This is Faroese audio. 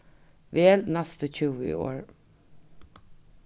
vel næstu tjúgu orð